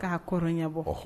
K'a kɔrɔ ɲɛ bɔgɔ